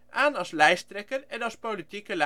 aan als lijsttrekker en als politieke